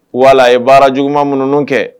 Wala ye baara juguman minnu kɛ